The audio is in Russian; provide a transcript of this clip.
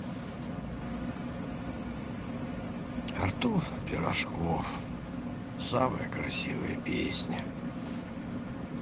артур пирожков самая красивая песня